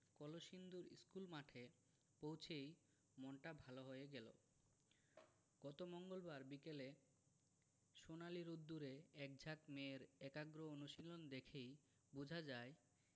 কলসিন্দুর স্কুলমাঠে পৌঁছেই মনটা ভালো হয়ে গেল গত মঙ্গলবার বিকেলে সোনালি রোদ্দুরে একঝাঁক মেয়ের একাগ্র অনুশীলন দেখেই বোঝা যায়